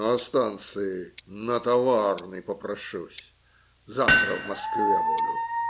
- На станции на товарный попрошусь: завтра в Москве буду.